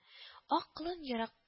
Ак колын ерак